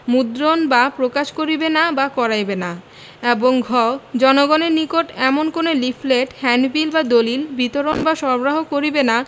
মুদ্রণ বা প্রকাশ করিবে না বা করাইবে না এবং ঘ জনগণের নিকট এমন কোন লিফলেট হ্যান্ডবিল বা দলিল বিতরণ বা সরবরাহ করিবেনা